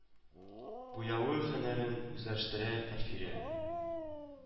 Буяуы һөнәрен үзләштерә әлфирә